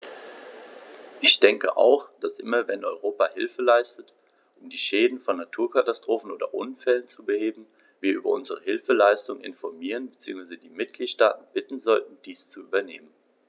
Ich denke auch, dass immer wenn Europa Hilfe leistet, um die Schäden von Naturkatastrophen oder Unfällen zu beheben, wir über unsere Hilfsleistungen informieren bzw. die Mitgliedstaaten bitten sollten, dies zu übernehmen.